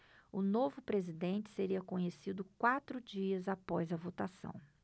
o novo presidente seria conhecido quatro dias após a votação